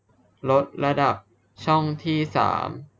ลดระดับช่องที่สาม